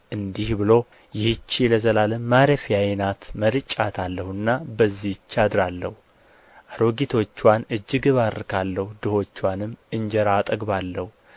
እንዲህ ብሎ ይህች ለዘላለም ማረፊያዬ ናት መርጫታለሁና በዚህች አድራለሁ አሮጊቶችዋን እጅግ እባርካለሁ ድሆችዋንም እንጀራ አጠግባለሁ